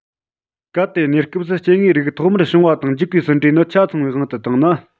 གལ ཏེ གནས སྐབས སུ སྐྱེ དངོས རིགས ཐོག མར བྱུང བ དང འཇིག པའི ཟིན བྲིས ནི ཆ ཚང བའི དབང དུ བཏང ན